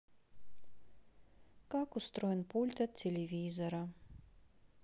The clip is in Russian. как устроен пульт от телевизора